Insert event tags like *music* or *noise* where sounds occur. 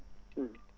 *hesitation* *hesitation*